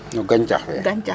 No gañcax fe